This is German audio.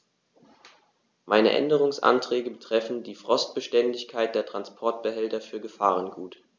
Meine Änderungsanträge betreffen die Frostbeständigkeit der Transportbehälter für Gefahrgut.